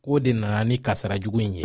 k'o de nana ni nin kasaara jugu in ye